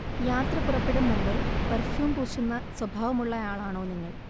യാത്ര പുറപ്പെടും മുൻപ് പെർഫ്യൂം പൂശുന്ന സ്വഭാവം ഉള്ളയാളാണോ നിങ്ങൾ